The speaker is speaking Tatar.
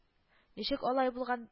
Ничек алай булган